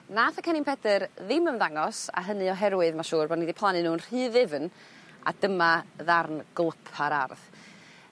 nath y cennin Pedyr ddim ymddangos a hynny oherwydd ma' siŵr bo' ni 'di plannu nw'n rhy ddyfn a dyma ddarn glwypa'r ardd.